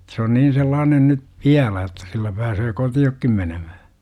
Että se on niin sellainen nyt vielä että sillä pääsee kotiinkin menemään